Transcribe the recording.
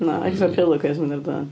Na, eith y pillowcase mynd ar dân.